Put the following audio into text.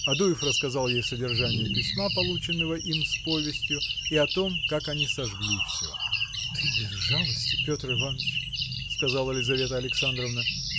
Адуев рассказал ей содержание письма полученного им с повестью и о том как они сожгли все. – Ты без жалости, Петр Иваныч! – сказала Лизавета Александровна